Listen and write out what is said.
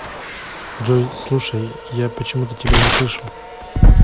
джой слушай я почему то тебя не слышу